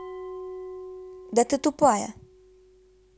да ты тупая